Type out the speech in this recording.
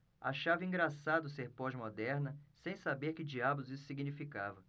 achava engraçado ser pós-moderna sem saber que diabos isso significava